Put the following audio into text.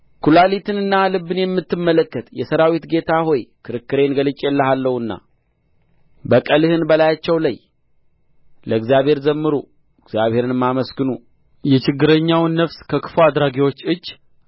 ኵላሊትንና ልብን የምትመለከት የሠራዊት ጌታ ሆይ ክርክሬን ገልጬልሃለሁና በቀልህን በላያቸው ለይ ለእግዚአብሔር ዘምሩ እግዚአብሔርንም አመስግኑ የችግረኛውን ነፍስ ከክፉ አድራጊዎች እጅ